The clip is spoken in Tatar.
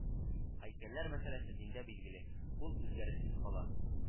Һәйкәлләр мәсьәләсе диндә билгеле, ул үзгәрешсез кала